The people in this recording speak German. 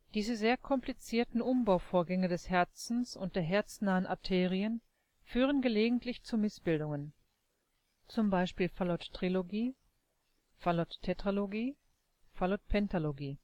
Diese sehr komplizierten Umbauvorgänge des Herzens und der herznahen Arterien führen gelegentlich zu Missbildungen (z. B. Fallot-Trilogie, Fallot-Tetralogie, Fallot-Pentalogie